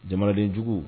Jamanadenjugu